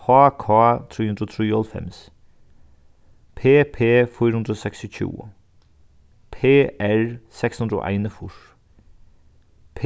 h k trý hundrað og trýoghálvfems p p fýra hundrað og seksogtjúgu p r seks hundrað og einogfýrs